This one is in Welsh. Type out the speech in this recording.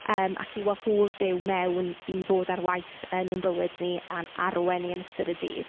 Yym, ac i wahodd Duw mewn i fod ar waith yn ein bywyd ni, a'n arwain ni yn ystod y dydd?